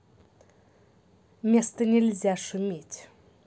место нельзя шуметь